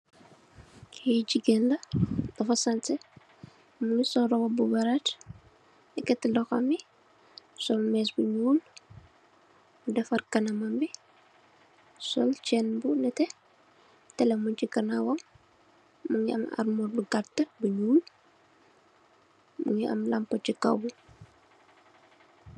Ki jigeen la Ki jigeen la dafa sancex mongi sol roba bu weret eketi loxom bi sol mess bu nuul defar kanambi sol cxain bu nete tele mung si kanawam mongi am almuwar bu gata bu nuul mongi am lampa si kaw.